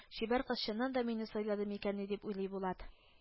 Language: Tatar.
Чибәр кыз чыннан да мине сайлады микәнни дип уйлый булат